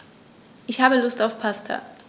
Ich habe Lust auf Pasta.